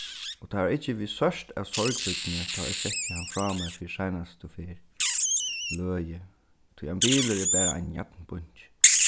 og tað var ikki við sørt av sorgblídni tá eg setti hann frá mær fyri seinastu ferð løgið tí ein bilur er bara ein jarnbunki